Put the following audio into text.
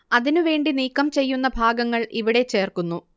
അതിനു വേണ്ടി നീക്കം ചെയ്യുന്ന ഭാഗങ്ങൾ ഇവിടെ ചേർക്കുന്നു